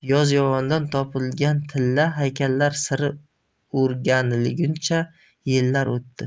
yozyovondan topilgan tilla haykallar siri o'rganilguncha yillar o'tdi